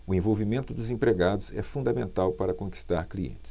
o envolvimento dos empregados é fundamental para conquistar clientes